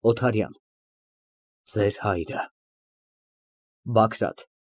ՕԹԱՐՅԱՆ ֊ Ձեր հայրը։ ԲԱԳՐԱՏ ֊